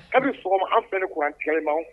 Aw bɛ sɔgɔma an fɛ gan cɛma